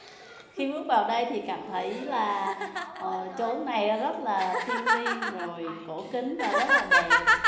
khi bước vào đây thì cảm thấy là chỗ này là rất là thiêng liêng rồi cổ kính và rất là đẹp